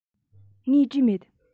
ངས བྲིས མེད